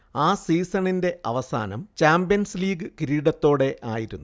ആ സീസണിന്റെ അവസാനം ചാമ്പ്യൻസ് ലീഗ് കിരീടത്തോടെ ആയിരുന്നു